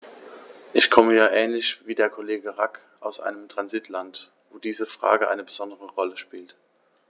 Ich komme ja ähnlich wie der Kollege Rack aus einem Transitland, wo diese Frage eine besondere Rolle spielt.